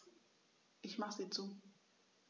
Ich mache sie zu.